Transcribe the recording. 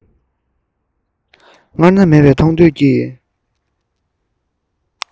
སྔར ན མེད པའི མཐོང ཐོས ཀྱི